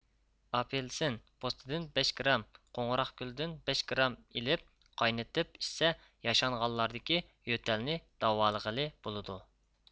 ئاپېلسىن پوستىدىن بەش گرام قوڭغۇراقگۈلدىن بەش گرام ئېلىپ قاينىتىپ ئىچسە ياشانغانلاردىكى يۆتەلنى داۋالىغىلى بولىدۇ